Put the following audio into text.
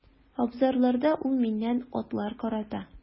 Абзарларда ул миннән атлар карата.